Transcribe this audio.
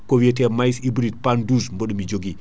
ko wiyate maysa hybride PAN 12 boɗomi joogui